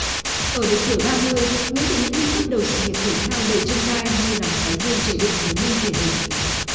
ở độ tuổi ba mươi nguyễn thị mỹ linh bắt đầu sự nghiệp thể thao đầy chông gai như là một cái duyên trời định với môn thể hình